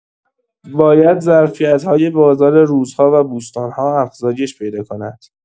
باید ظرفیت‌های بازار روزها و بوستان‌ها افزایش پیدا کند.